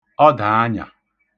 ọdàanyà